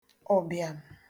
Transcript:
ụ̀bị̀àm̀